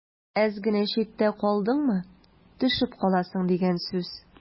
Әз генә читтә калдыңмы – төшеп каласың дигән сүз.